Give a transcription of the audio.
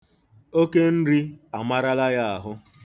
Oke nri amarala ya ahụ.